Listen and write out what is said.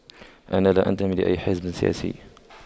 أنا لا أنتمي لأي حزب سياسي